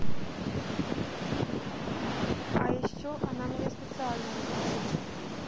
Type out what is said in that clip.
а еще она меня специально ругает